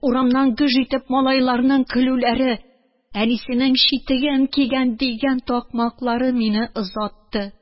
Урамнан гөж итеп малайларның көлүләре, «Әнисенең читеген кигән» дигән такмаклары мине озатты.